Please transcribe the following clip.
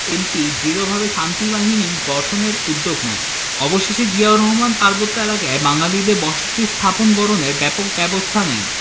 MP. দৃঢ়ভাবে শান্তিবাহিনী গঠনের উদ্যোগ নেয় অবশেষে জিয়াউর রহমান পার্বত্য এলাকায় বাঙালিদের বসতী স্থাপন গড়নের ব্যাপক ব্যবস্তা নেন